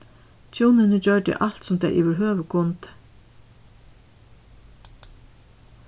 hjúnini gjørdu alt sum tey yvirhøvur kundu